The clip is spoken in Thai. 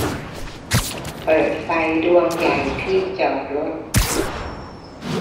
เปิดไฟดวงใหญ่ที่จอดรถ